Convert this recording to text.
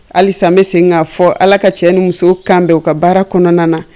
Halisa n be segin k'a fɔ Ala ka cɛ ni muso kan bɛn u ka baara kɔnɔna na